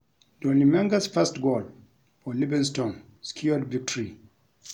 Dolly Menga's first goal for Livingston secured victory